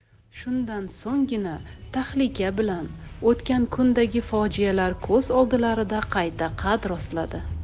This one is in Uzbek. shundan so'nggina tahlika bilan o'tgan kundagi fojialar ko'z oldilarida qayta qad rostladi